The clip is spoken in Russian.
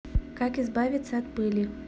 как избавиться от пыли